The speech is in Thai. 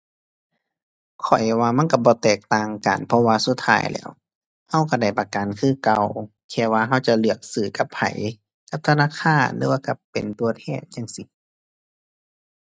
ข้อยว่ามันก็บ่แตกต่างกัน เพราะว่าสุดท้ายแล้วก็ก็ได้ประกันคือเก่า แค่ว่าก็จะเลือกซื้อกับไผ กับธนาคาร หรือว่ากับเป็นตัวแทนจั่งซี้